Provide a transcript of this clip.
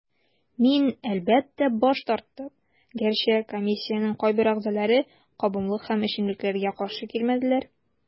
Мин, әлбәттә, баш тарттым, гәрчә комиссиянең кайбер әгъзаләре кабымлык һәм эчемлекләргә каршы килмәделәр.